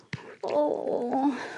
o